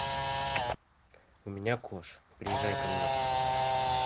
у меня кошь приезжай ко мне